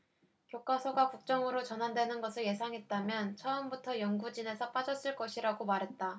교과서가 국정으로 전환되는 것을 예상했다면 처음부터 연구진에서 빠졌을 것이라고 말했다